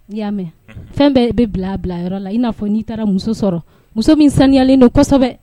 I y'a mɛ a unhun fɛn bɛɛ bɛ bila bilayɔrɔ la i n'a fɔ n'i taara muso sɔrɔ muso min saniyalen don kosɛbɛ